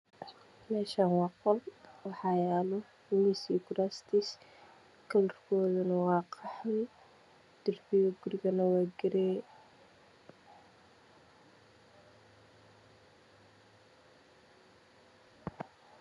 Meeshaan waa lol waxaa yaalo miis iyo kuras kalarkoodana waa qaxwi darbiga gurigana waa garee